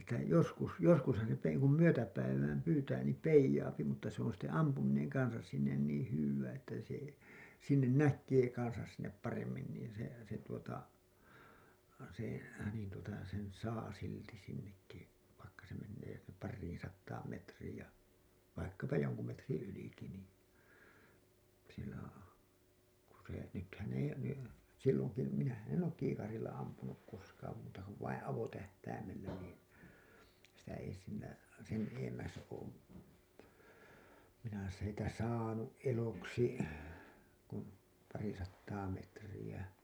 että joskus joskushan se että ei kun myötäpäivään pyytää niin peijaa mutta se on sitten ampuminen kanssa sinne niin hyvää että se sinne näkee kanssa sinne paremmin niin se se tuota se niin tuota sen saa silti sinnekin vaikka se menee pariin sataan metriin ja vaikkapa jonkun metriä ylikin niin kun se nythän ei ne silloin kun minähän en ole kiikarilla ampunut koskaan muuta kuin vain avotähtäimellä niin sitä ei sillä sen edemmäs ole minä sitä saanut eloksi kuin pari sataa metriä